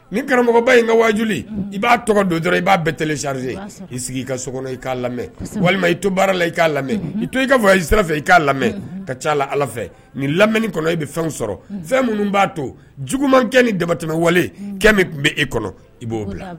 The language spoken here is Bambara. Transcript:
Ni karamɔgɔba in ka waj i b'a tɔgɔ don dɔrɔn i b'a bɛɛ teli sarize sigi ka so kɔnɔ i k'a lamɛn walima i to baara la i k'a lamɛn i to i ka fɔ i sira fɛ i k'a lamɛn ka ca la ala nin lamɛnini kɔnɔ i bɛ fɛn sɔrɔ fɛn minnu b'a to jugumankɛ ni dabatɛmɛ wale min tun bɛ e kɔnɔ i b'o bila